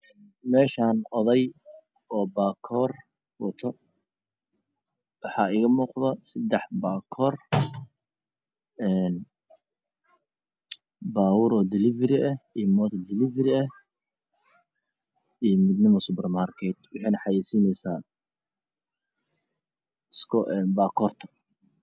Meshaan oday oo baa koor wato waxaa iga muuqdo sadax baa koor een babuur delivery ah iyo moto delivery ah iyo midnimo supermarket wixina xayisineysaa iskoo ee bakoorta